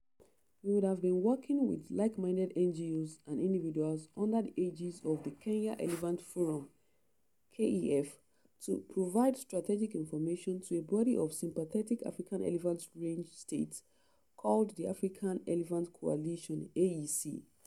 We have been working with like-minded NGOs and individuals under the aegis of the Kenya Elephant Forum (KEF) to provide strategic information to a body of sympathetic African elephant range states called the African Elephant Coalition (AEC).